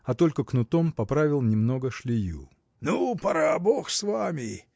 а только кнутом поправил немного шлею. – Ну, пора, бог с вами!